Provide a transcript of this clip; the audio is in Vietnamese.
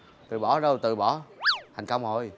từ bỏ đâu mà từ bỏ thành công rồi